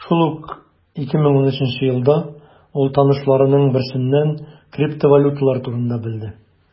Шул ук 2013 елда ул танышларының берсеннән криптовалюталар турында белде.